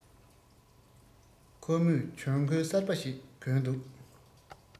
ཁོ མོས གྱོན གོས གསར པ ཞིག གྱོན འདུག